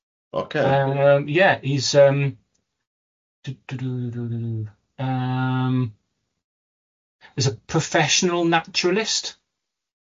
Ocê... Yym, ie, he's yym, tu- du- du- dududu, yym, is a proffesional naturist